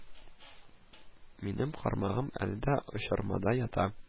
Минем кармагым әле дә очырмада ята